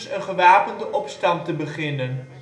een gewapende opstand te beginnen